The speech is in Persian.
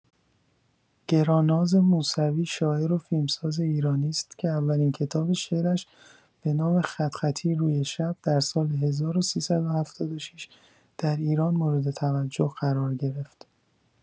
گراناز موسوی شاعر و فیلمساز ایرانی‌ست که اولین کتاب شعرش به نام «خط‌خطی روی شب» در سال ۱۳۷۶ در ایران مورد توجه قرار گرفت.